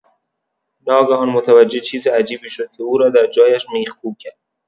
ناگهان متوجه چیز عجیبی شد که او را در جایش میخکوب کرد.